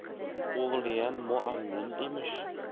o'g'liyam muallim emish